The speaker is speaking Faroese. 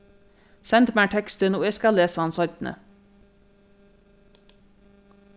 send mær tekstin og eg skal lesa hann seinni